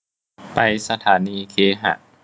ไปสถานีเคหะ